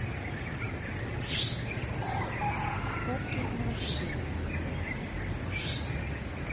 пробки новосибирск